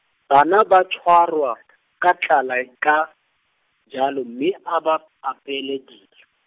banna ba tshwerwa , ka tlala ka, jalo mme o ba apeela dijo.